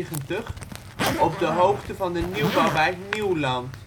N199 op de hoogte van de nieuwbouwwijk Nieuwland